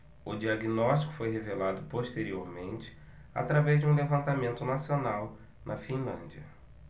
o diagnóstico foi revelado posteriormente através de um levantamento nacional na finlândia